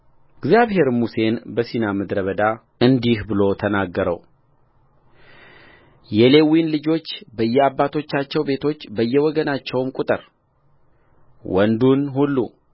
እግዚአብሔርም ሙሴን በሲና ምድረ በዳ እንዲህ ብሎ ተናገረውየሌዊን ልጆች በየአባቶቻቸው ቤቶች በየወገናቸውም ቍጠር ወንዱን ሁሉ